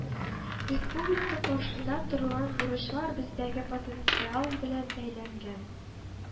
Республика каршында торган бурычлар бездәге потенциал белән бәйләнгән